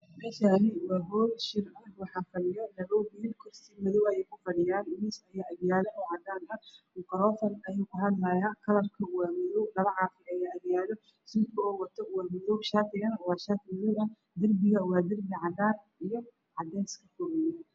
Meeshaan waa hool shir. Waxaa fadhiyo labo wiil kursi madow ayay kufadhiyaan miis ayaa agyaalo oo cadaan ah. Mid makaroofan ayuu ku hadlaa waana madow. Dhalo caafiya agyaalo suudka uu wato waa madow iyo shaati buluug ah. Darbiga waa cadaan iyo cadeys.